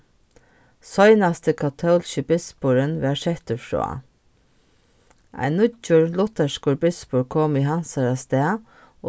seinasti katólski bispurin var settur frá ein nýggjur lutherskur bispur kom í hansara stað